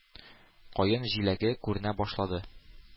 Каен җиләге күренә башлады.